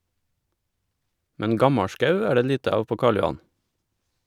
- Men gammalskau er det lite av på Karl Johan?